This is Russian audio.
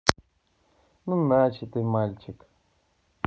ну начатый мальчик